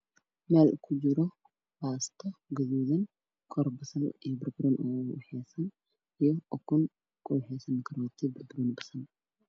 Wiil ku jiro baasta gidduudan korna waxaa ka saaran basal bambanooni iyo qudaar kale waxayna saaran yihiin miis cadaan